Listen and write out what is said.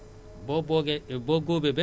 léegi ñun bu ñuy assurer nii